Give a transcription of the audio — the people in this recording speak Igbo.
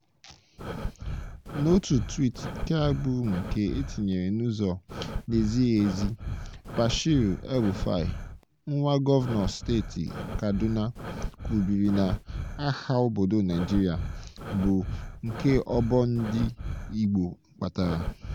N'otu twiiti keagbụrụ nke e tinyere n'ụzọ na-ezighị ezi (Foto nke 3), Bashir El-Rufai, nwa Gọvanọ Steeti Kaduna, kwubiri na agha obodo Naịjirịa bụ nke ọbọ ndị Igbo kpatara.